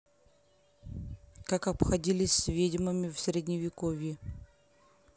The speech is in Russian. как обходились с ведьмами в средневековье